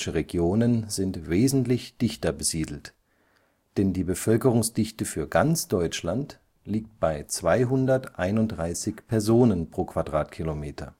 Regionen sind wesentlich dichter besiedelt, denn die Bevölkerungsdichte für ganz Deutschland liegt bei 231 Personen pro km². Das